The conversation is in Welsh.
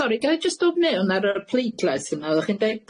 Sori gai jyst dod mewn ar yr pleidlais yma, o'ch chi'n deud